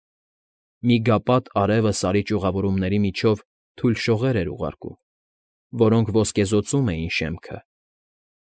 Միգապատ արևը Սարի ճյուղավորումների միջով թույլ շողեր էր ուղարկում, որոնք ոսկեզօծում էին շեմքը։